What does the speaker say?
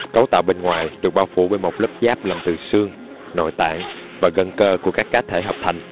cấu tạo bên ngoài được bao phủ bởi một lớp giáp làm từ xương nội tạng và gân cơ của các cá thể hợp thành